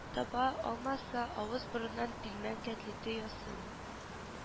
Таба алмаса авыз-борыныннан пилмән кәтлите ясыйм